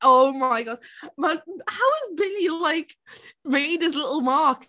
Oh my God Ma' n- how has Billy like made his little mark?